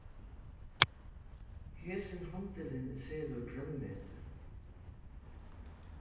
hesin handilin selur grønmeti